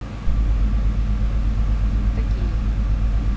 такие